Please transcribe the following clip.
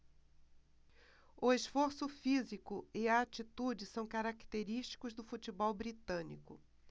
o esforço físico e a atitude são característicos do futebol britânico